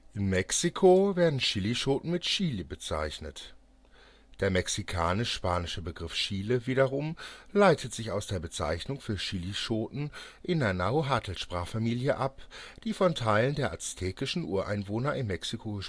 Mexiko werden Chilischoten mit Chile bezeichnet. Die spanische Aussprache des Wortes Chile ist [ˈtʃile], also etwa so wie die deutsche Aussprache des Landes Chile, jedoch mit etwas kürzerem i. Der mexikanisch-spanische Begriff Chile wiederum leitet sich aus der Bezeichnung für Chilischoten in der Nahuatl-Sprachfamilie ab, die von Teilen der aztekischen Ureinwohner in Mexiko